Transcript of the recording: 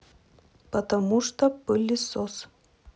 потому что пылесос